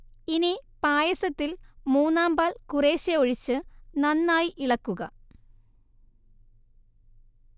ഇനി പായസത്തിൽ മൂന്നാം പാൽ കുറേശ്ശെ ഒഴിച്ച് നന്നായി ഇളക്കുക